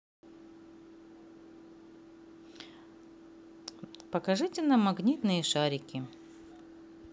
покажите нам магнитные шарики